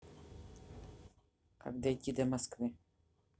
как дойти до москвы